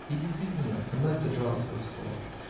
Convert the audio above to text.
И действительно, она сдержала свое слово.